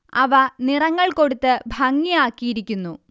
അവ നിറങ്ങൾ കൊടുത്ത് ഭംഗിയാക്കിയിരിക്കുന്നു